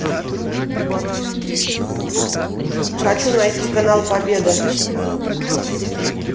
хочу найти канал победа